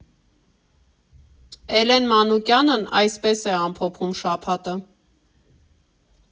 Էլեն Մանուկյանն այսպես է ամփոփում շաբաթը.